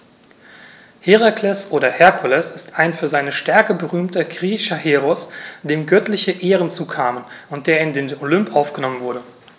Herakles oder Herkules ist ein für seine Stärke berühmter griechischer Heros, dem göttliche Ehren zukamen und der in den Olymp aufgenommen wurde.